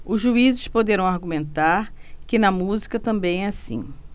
os juízes poderão argumentar que na música também é assim